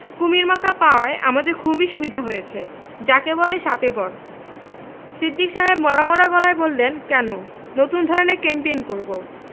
কুমীর মার্কা পাওয়ায় আমাদের খুবই সুবিধা হয়েছে যাকে বলে শাপে বর সিদ্দিক সাহেব মরা মরা গলায় বললেন কেন নতুন ধরনের ক্যাম্পেইন করব